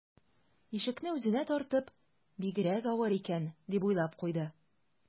Ишекне үзенә тартып: «Бигрәк авыр икән...», - дип уйлап куйды